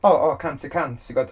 O, o cant y cant, ti'n gwbod?